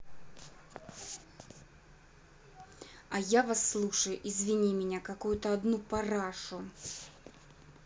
а я вас слушаю извини меня какую то одну парашу